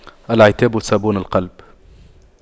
العتاب صابون القلب